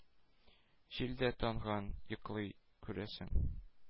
Җил дә тынган, йоклый, күрәсең.